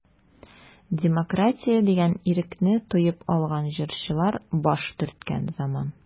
Демократия дигән ирекне тоеп алган җырчылар баш төрткән заман.